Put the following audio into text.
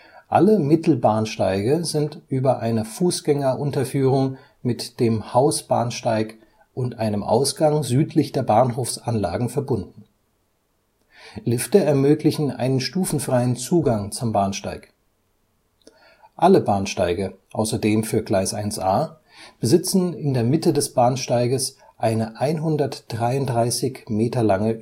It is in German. Alle Mittelbahnsteige sind über eine Fußgängerunterführung mit dem Hausbahnsteig und einem Ausgang südlich der Bahnhofsanlagen verbunden. Lifte ermöglichen einen stufenfreien Zugang zum Bahnsteig. Alle Bahnsteige - außer dem für Gleis 1a - besitzen in der Mitte des Bahnsteiges eine 133 Meter lange